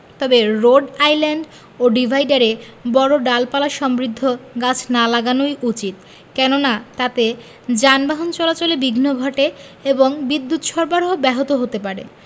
তবে road island ও ডিভাইডারে বড় ডালপালাসমৃদ্ধ গাছ না লাগানোই উচিত কেননা তাতে যানবাহন চলাচলে বিঘ্ন ঘটে এবং বিদ্যুত সরবরাহ ব্যাহত হতে পারে